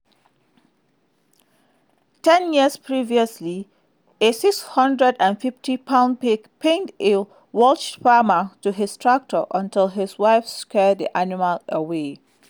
Ten years previously, a 650 pound pig pinned a Welsh farmer to his tractor until his wife scared the animal away.